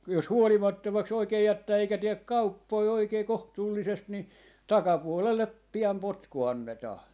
jos huolimattomaksi oikein jättää eikä tee kauppoja oikein kohtuullisesti niin takapuolelle pian potku annetaan